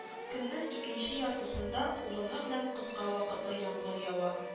Көннең икенче яртысында урыны белән кыска вакытлы яңгыр ява